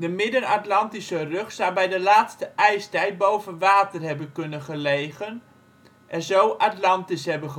Midden-Atlantische Rug zou bij de laatste ijstijd boven water hebben kunnen gelegen, en zo Atlantis hebben